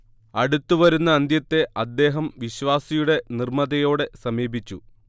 അടുത്തുവരുന്ന അന്ത്യത്തെ അദ്ദേഹം വിശ്വാസിയുടെ നിർമ്മതയോടെ സമീപിച്ചു